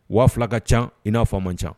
Wa fila ka ca i n'a fɔ a man ca